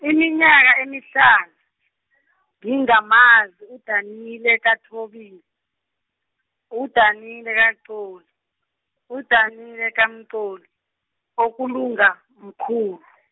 iminyaka emihlanu, ngingamazi uDanile kaThobi, uDanile kaXoli, uDanile kaMxoli, okulunga mkhulu.